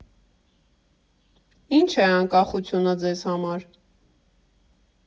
֊Ի՞նչ է անկախությունը Ձեզ համար։